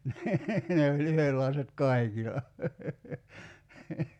niin ne oli yhdenlaiset kaikilla